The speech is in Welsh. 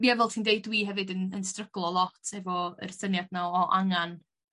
Ia fel ti'n deud dwi hefyd yn yn stryglo lot hefo yr syniad 'na o angan